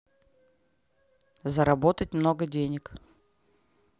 заработать много денег